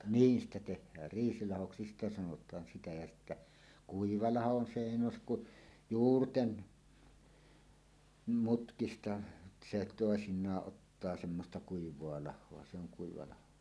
niin sitä tehdään riisilahoksi sitä sanotaan sitä ja sitten kuiva laho on se ei nouse kuin juurten mutkista se toisinaan ottaa semmoista kuivaa lahoa se on kuiva laho